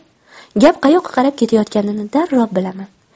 gap qayoqqa qarab ketayotganini darrov bilaman